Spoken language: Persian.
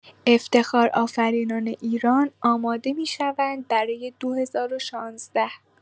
افتخار آفرینان ایران آماده می‌شوند برای ۲۰۱۶